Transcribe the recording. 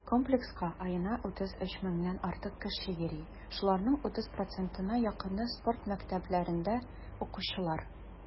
Комплекска аена 33 меңнән артык кеше йөри, шуларның 30 %-на якыны - спорт мәктәпләрендә укучылар.